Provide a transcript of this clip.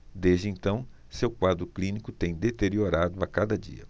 desde então seu quadro clínico tem deteriorado a cada dia